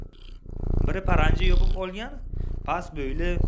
biri paranji yopinib olgan past bo'yli